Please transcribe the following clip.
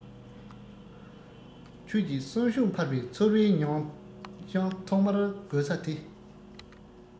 ཁྱོད ཀྱིས གསོན ཤུགས འཕར བའི ཚོར བའི མྱོང བྱང ཐོག མར དགོད ས དེ